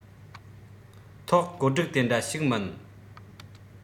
ཐོག བཀོད སྒྲིག དེ འདྲ ཞིག མིན